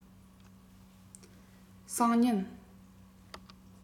སང ཉིན